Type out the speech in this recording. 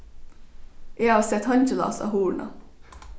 eg havi sett heingilás á hurðina